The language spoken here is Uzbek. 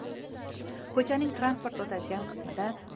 ko'chaning transport o'tadigan qismida